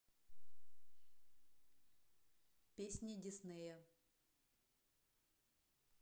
песни диснея